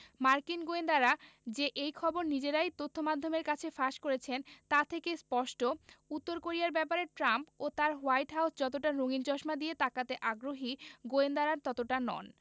মার্কিন গোয়েন্দারা যে এই খবর নিজেরাই তথ্যমাধ্যমের কাছে ফাঁস করেছেন তা থেকে স্পষ্ট উত্তর কোরিয়ার ব্যাপারে ট্রাম্প ও তাঁর হোয়াইট হাউস যতটা রঙিন চশমা দিয়ে তাকাতে আগ্রহী গোয়েন্দারা ততটা নন